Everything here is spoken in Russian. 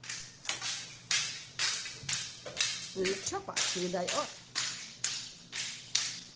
nle choppa передай от